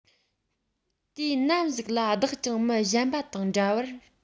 དུས ནམ ཞིག ལ བདག ཀྱང མི གཞན པ དང འདྲ བར